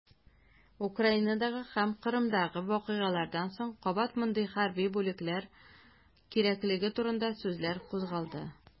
Украинадагы һәм Кырымдагы вакыйгалардан соң кабат мондый хәрби бүлекләр кирәклеге турында сүзләр кузгалды.